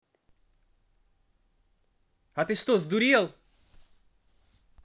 а ты что сдурел